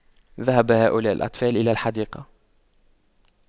ذهب هؤلاء الأطفال إلى الحديقة